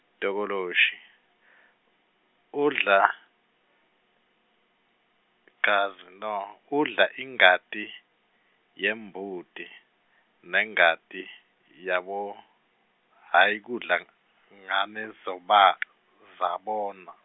Tokoloshi, udla, gazi no udla ingati yambuti nengati yabo, hhayi kudla, ngane zoba- zabona.